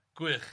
Gwych.